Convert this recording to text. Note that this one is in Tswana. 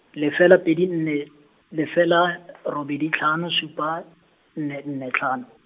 lefela pedi nne, lefela , robedi tlhano supa, nne nne tlhano.